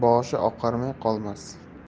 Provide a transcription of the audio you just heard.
boshi oqarmay qolmas